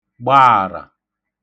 gbaàrà